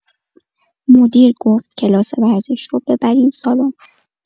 مدیر گفت کلاس ورزش رو ببرین سالن.